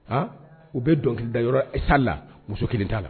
Han u be dɔnkilidayɔrɔ e salle la muso 1 t'a la